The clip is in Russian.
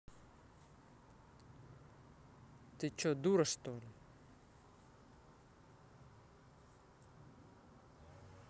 ты че дура чтоли